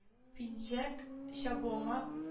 Пинжәк чабуыма